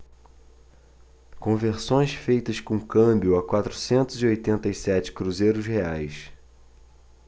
conversões feitas com câmbio a quatrocentos e oitenta e sete cruzeiros reais